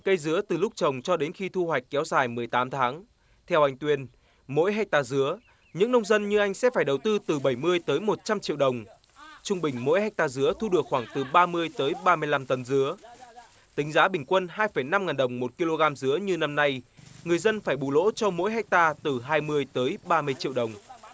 ây dứa từ lúc trồng cho đến khi thu hoạch kéo dài mười tám tháng theo anh tuyên mỗi héc ta dứa những nông dân như anh sẽ phải đầu tư từ bảy mươi tới một trăm triệu đồng trung bình mỗi héc ta dứa thu được khoảng từ ba mươi tới ba mươi lăm tấn dứa tính giá bình quân hai phẩy năm ngàn đồng một ki lô gam dứa như năm nay người dân phải bù lỗ cho mỗi héc ta từ hai mươi tới ba mươi triệu đồng